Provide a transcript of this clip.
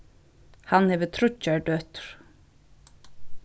hann hevur tríggjar døtur